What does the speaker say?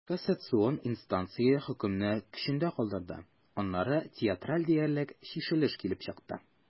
Кассацион инстанция хөкемне көчендә калдырды, аннары театраль диярлек чишелеш килеп чыкты.